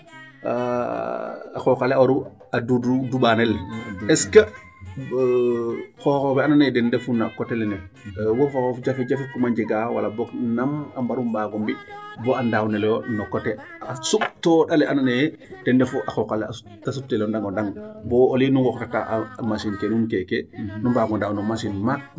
A qooq ale a waru a du toubab el est ce que xooxoox we andoona yee den ndefu no coté ;fra lene wo fo xooxof jafe jafe kum jegaa wala boog nam a mbaru mbaag o mbi' bo a ndaawnelooyo no coté suptooƭ ale andoona yee ten refu a qooq ale te suptel o ndang o ndang bo au lieu nu nqooxtataa machine nu mbaago ndaaw no machine maak.